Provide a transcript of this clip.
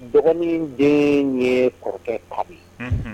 Dɔgɔnin den ye kɔrɔkɛ kari